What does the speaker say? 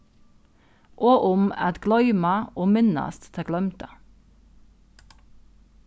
og um at gloyma og minnast tað gloymda